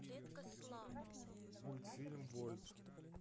мультфильм вольт